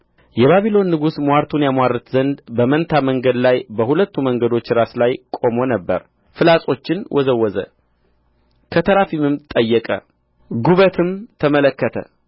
የባቢሎን ንጉሥ ምዋርቱን ያምዋርት ዘንድ በመንታ መንገድ ላይ በሁለቱ መንገዶች ራስ ላይ ቆሞ ነበር ፍላጾችን ወዘወዘ ከተራፊምም ጠየቀ ጉበትም ተመለከተ